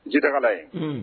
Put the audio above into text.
Jijakalala ye